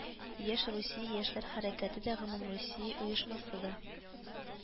Яшь Русия яшьләр хәрәкәте дә, гомумрусия оешмасы да